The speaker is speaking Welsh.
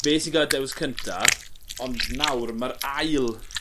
fe sy ga'l y dewis cynta. Ond nawr ma'r ail